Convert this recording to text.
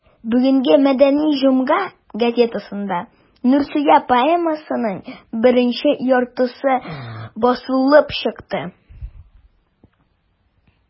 Бүгенге «Мәдәни җомга» газетасында «Нурсөя» поэмасының беренче яртысы басылып чыкты.